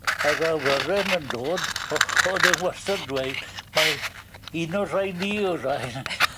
yr awyren yn dod o- o'dd e wasto 'n dweud mai un o'r rhai ni yw'r rhain .